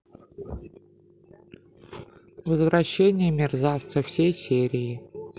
возвращение мерзавца все серии